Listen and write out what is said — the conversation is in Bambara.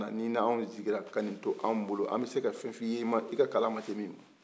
n'i ni anw sigira ka nin to anw bolo an bɛ se ka fɛn fɔ i ye i ka kalan ma se fɛn min ma